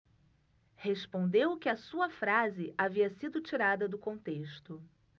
respondeu que a sua frase havia sido tirada do contexto